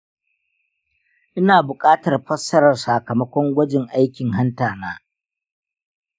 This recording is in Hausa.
ina buƙatar fassarar sakamakon gwajin aikin hanta na.